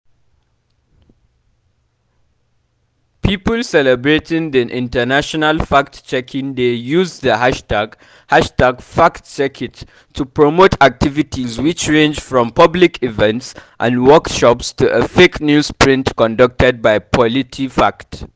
People celebrating the International Fact-Checking Day use the hashtag #FactCheckIt to promote activities which range from public events and workshops to a fake news sprint conducted by PolitiFact.